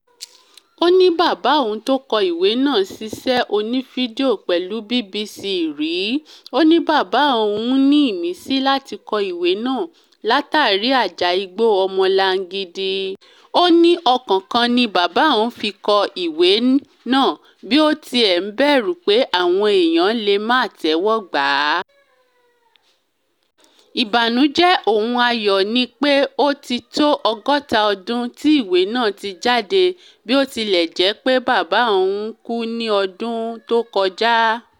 Ó ní bàbá òun tó kọ ìwé ná́à ṣiṣẹ́ onífídíò pẹ̀lú BBC rìí. Ó ní bàbá òun ní ìmísí láti kọ ìwé náà látàrí ajá igbó ọlọ́mọlangidi. Ó ní ọkàn kan ni bàbá òun fi kọ ìwé náà bí ó tiẹ̀ ń bẹ̀rù pé àwọn èèyàn lè máa tẹ́wọ́gbà á. “Ìbànújẹ́oọunayọ̀” ni pé ó ti tó ọgọ́ta ọdún tí ìwé náà ti jáde bí ó tilẹ̀ jẹ́ pé bàbá òun kú ní ọdún tó kọjá.